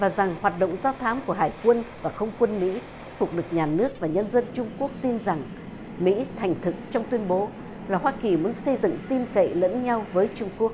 và rằng hoạt động do thám của hải quân và không quân mỹ tiếp tục được nhà nước và nhân dân trung quốc tin rằng mỹ thành thực trong tuyên bố là hoa kỳ muốn xây dựng tin cậy lẫn nhau với trung quốc